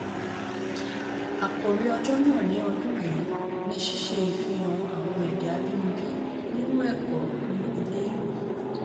Àkòrí Ọjọ́ náà ní ọdún yìí ni ṣíṣe ìfihàn àwọn èdè abínibí nínú ẹ̀kọ́ ní ilé-ìwé.